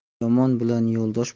yomon bilan yo'ldosh